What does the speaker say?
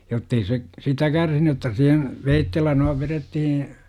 jotta ei se sitä kärsinyt jotta siihen veitsellä noin vedettiin